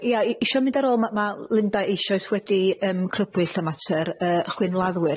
Ia i- isio mynd ar ôl... Ma' ma' Linda eisoes wedi yym crybwyll y mater yy chwynladdwyr.